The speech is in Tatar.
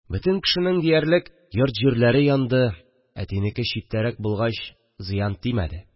Бөтен кешенең диярлек йорт-җире янды, әтинеке читтәрәк булгач, зыян тимәде